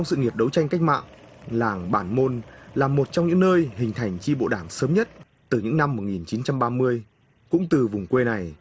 sự nghiệp đấu tranh cách mạng làng bàn môn là một trong những nơi hình thành chi bộ đảng sớm nhất từ những năm một nghìn chín trăm ba mươi cũng từ vùng quê này